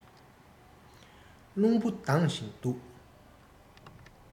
རླུང བུ ལྡང བཞིན འདུག